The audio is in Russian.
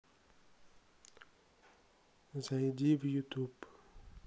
зайди в ютуб